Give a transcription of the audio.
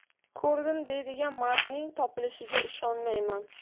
ko'rdim deydigan mardning topilishiga ishonmayman